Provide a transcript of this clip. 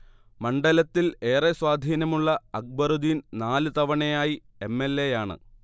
മണ്ഡലത്തിൽ ഏറെ സ്വാധീനമുള്ള അക്ബറുദ്ദീൻ നാല് തവണയായി എംഎൽഎയാണ്